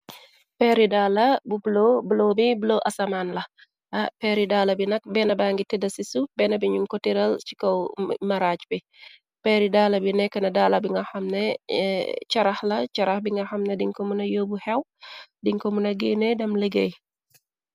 Peeri dala bu bulo, bi bulo asamaan la, peeri daala bi nak benne ba ngi teda si suuf, benneen bi ñuñ ko tiral ci kaw maraaj bi, peeri daala bi nekka na daala bi nga xamne carax la, carax bi nga xam na dinko muna yobu xew, din ko muna génne dem liggéey.